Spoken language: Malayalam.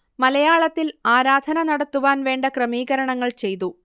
മലയാളത്തിൽ ആരാധന നടത്തുവാൻ വേണ്ട ക്രമീകരണങ്ങൾ ചെയ്തു